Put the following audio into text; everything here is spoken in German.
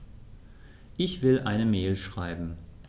Ich will eine Mail schreiben.